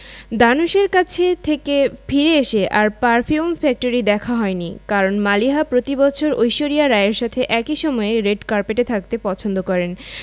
ধানুশের কাছে থেকে ফিরে এসে আর পারফিউম ফ্যাক্টরি দেখা হয়নি কারণ মালিহা প্রতিবছর ঐশ্বরিয়া রাই এর সাথে একই সময়ে রেড কার্পেটে থাকতে পছন্দ করেন